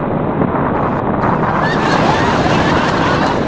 mặt bà hãm quá hà mày muốn thêm một con mắt nữa không